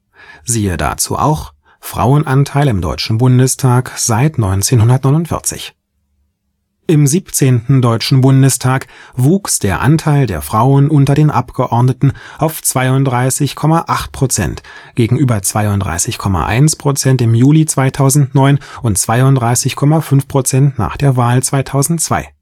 → Artikel: Frauenanteil im Deutschen Bundestag seit 1949 (mit umfassenden Zahlenangaben) Im 17. Deutschen Bundestag wuchs der Anteil der Frauen unter den Abgeordneten auf 32,8 %, gegenüber 32,1 % im Juli 2009 und 32,5 % nach der Wahl 2002